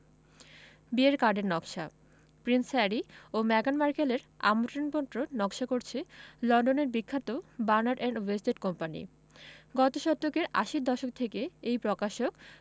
বিয়ের কার্ডের নকশা প্রিন্স হ্যারি ও মেগান মার্কেলের আমন্ত্রণপত্র নকশা করছে লন্ডনের বিখ্যাত বার্নার্ড অ্যান্ড ওয়েস্টউড কোম্পানি গত শতকের আশির দশক থেকে এই প্রকাশক